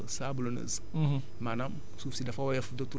suuf yi dañu seen texture dafa sabloneuse